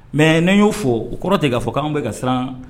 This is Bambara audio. Mɛ ne y'o fɔ o kɔrɔ ten k'a fɔ k' bɛ ka siran